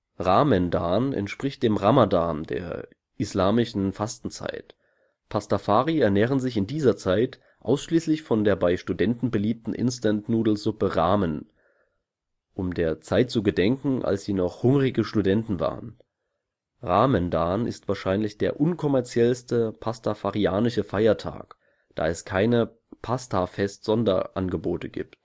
Ramendan entspricht dem Ramadan, der islamischen Fastenzeit. Pastafari ernähren sich zu dieser Zeit ausschließlich von der bei Studenten beliebten Instant-Nudelsuppe „ Ramen “, um der Zeit zu gedenken, als sie noch hungrige Studenten waren. Ramendan ist wahrscheinlich der unkommerziellste pastafarianische Feiertag, da es keine Passtahfest-Sonderangebote gibt